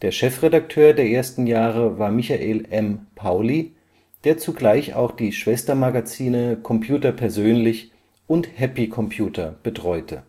Chefredakteur der ersten Jahre war Michael M. Pauly, der zugleich auch die Schwestermagazine „ Computer Persönlich “und „ Happy Computer “(Erstausgabe 11/83) betreute